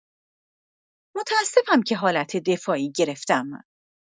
متاسفم که حالت دفاعی گرفتم.